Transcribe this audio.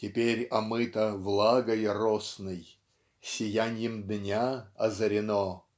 Теперь омыто влагой росной Сияньем дня озарено